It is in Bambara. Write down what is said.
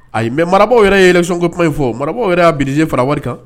A mɛ marabaw yɛrɛ yeecko kuma in fɔ marabaw yɛrɛ y'a bilisiz fara wari kan